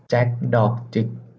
แจ็คดอกจิก